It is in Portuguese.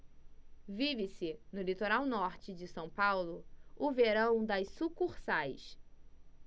vive-se no litoral norte de são paulo o verão das sucursais